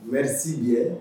U ye sibi ye